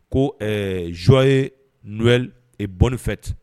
Ko ɛɛ joyeux Noel, bonne fete